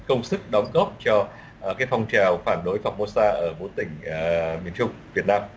công sức đóng góp cho cái phong trào phản đối phọc mô sa ở bốn tỉnh à miền trung việt nam